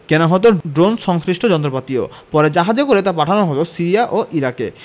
কেনা হতো ড্রোন সংশ্লিষ্ট যন্ত্রপাতিও পরে জাহাজে করে তা পাঠানো হতো সিরিয়া ও ইরাকে